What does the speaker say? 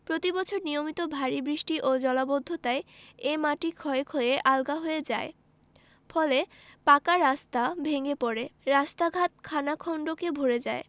প্রতিবছর নিয়মিত ভারি বৃষ্টি ও জলাবদ্ধতায় এই মাটি ক্ষয়ে ক্ষয়ে আলগা হয়ে যায় ফলে পাকা রাস্তা ভেঙ্গে পড়ে রাস্তাঘাট খানাখন্দকে ভরে যায়